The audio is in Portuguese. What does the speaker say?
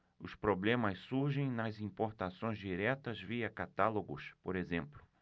os problemas surgem nas importações diretas via catálogos por exemplo